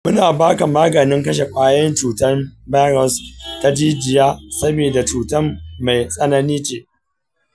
muna ba ka maganin kashe kwayoyin cutan virus ta jijiya saboda cutan mai tsanani ce.